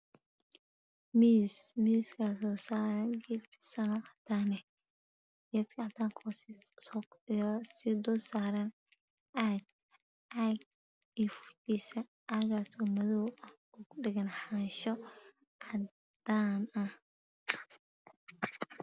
Miis miiskaa soo saaran geed fidsan cadaan ah geedka cadaanka oo sii dul saaran caag, caag iyo furkiisa caagaasoo madow ah ku dhagan xaasho cadaan ah.